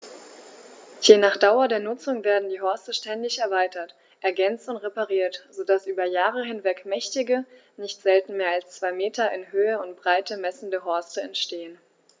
Je nach Dauer der Nutzung werden die Horste ständig erweitert, ergänzt und repariert, so dass über Jahre hinweg mächtige, nicht selten mehr als zwei Meter in Höhe und Breite messende Horste entstehen.